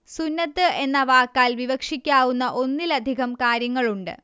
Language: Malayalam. സുന്നത്ത് എന്ന വാക്കാൽ വിവക്ഷിക്കാവുന്ന ഒന്നിലധികം കാര്യങ്ങളുണ്ട്